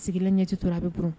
A sigilen ɲɛti to a bɛ bolo